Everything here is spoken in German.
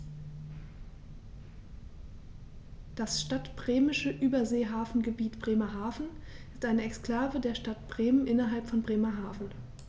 Das Stadtbremische Überseehafengebiet Bremerhaven ist eine Exklave der Stadt Bremen innerhalb von Bremerhaven.